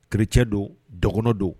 Chrétien don dɔgɔnɔ don